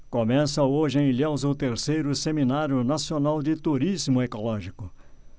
começa hoje em ilhéus o terceiro seminário nacional de turismo ecológico